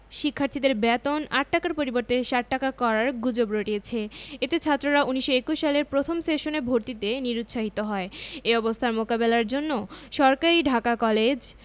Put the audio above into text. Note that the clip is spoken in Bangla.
শিক্ষার্থীদের বেতন ৮ টাকার পরিবর্তে ৬০ টাকা করার গুজব রটিয়েছে এতে ছাত্ররা ১৯২১ সালে প্রথম সেশনে ভর্তিতে নিরুৎসাহিত হয় এ অবস্থার মোকাবেলার জন্য সরকারি ঢাকা কলেজ